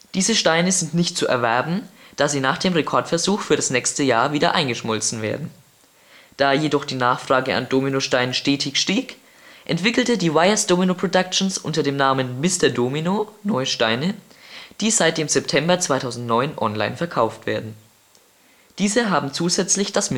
Diese Steine sind nicht zu erwerben, da sie nach dem Rekordversuch für das nächste Jahr wieder eingeschmolzen werden. Da jedoch die Nachfrage nach Dominosteinen stetig stieg, entwickelte die Weijers Domino Productions unter dem Namen Mr. Domino neue Steine, die seit dem September 2009 online verkauft werden. Diese haben zusätzlich das